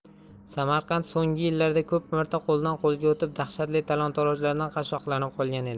samarqand so'nggi yillarda ko'p marta qo'ldan qo'lga o'tib dahshatli talon torojlardan qashshoqlanib qolgan edi